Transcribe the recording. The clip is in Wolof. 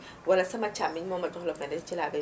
walla sama camiñ mooma jox lopin de terre ci laay bay